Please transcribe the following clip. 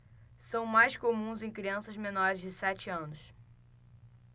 são mais comuns em crianças menores de sete anos